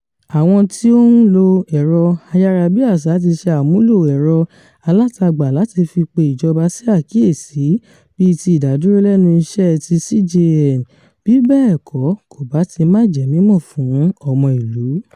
Àwọn tí ó ń lo ẹ̀rọ-ayárabíaṣá ti ṣe àmúlò ẹ̀rọ-alátagbà láti fi pe ìjọba sí àkíyèsí, bíi ti ìdádúró-lẹ́nu-iṣẹ́ ti CJN, bí bẹ́ẹ̀ kọ́, kò bá ti máà jẹ́ mímọ̀ fún ọmọ ìlú.